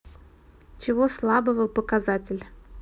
чего слабого показатель